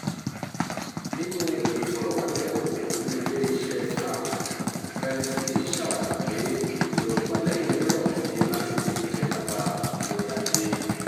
Nínú ìfọ̀rọ̀wánilẹ́nuwò pẹ́lú ilé iṣẹ́ Fast, Berners-Lee ṣàwàdà pé èròńgbà lẹ́yìn Inrupt ni láti le “jẹ gàba lórí ayé.”